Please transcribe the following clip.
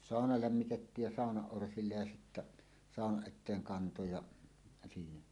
sauna lämmitettiin ja saunan orsille ja sitten saunan eteen kantoi ja siinä